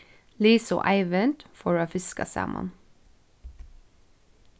lisa og eivind fóru at fiska saman